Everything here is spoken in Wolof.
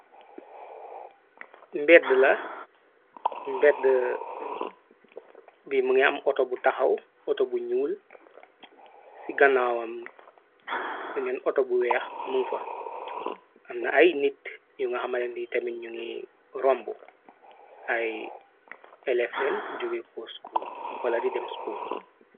Mbed la mbedd bi mu nga am auto bu taxaw auto bu ñuul ci ganaaw am beneen auto bu weex muŋ fa amna ay nit yu nga xamanan di tamit ñu ngi romb ay eleflen jóge ko school wala di dem school.